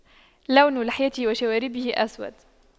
لون لحيته وشواربه أسود